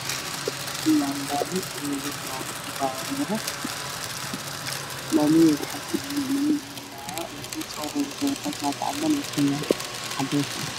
Waa waddo waxaa taagan homeey waxaa ka dagaayo dad farabadan meesha ay marayaan qaar waxay wataan shaati cadaan cabbaayad guduud xijaab madow